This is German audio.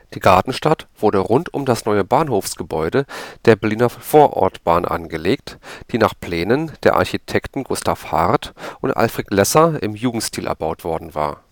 Gartenstadt wurde rund um das neue Bahnhofgebäude der Berliner Vorortbahn angelegt, das nach Plänen der Architekten Gustav Hart und Alfred Lesser im Jugendstil erbaut worden war